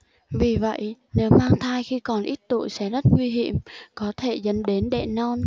vì vậy nếu mang thai khi còn ít tuổi sẽ rất nguy hiểm có thể dẫn đến đẻ non